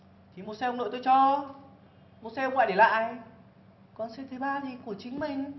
thì xe ông nội tôi cho xe ông ngoại để lại còn xe thứ thì của chính mình